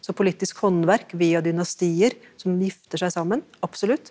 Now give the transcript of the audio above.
som politisk håndverk via dynastier som gifter seg sammen, absolutt.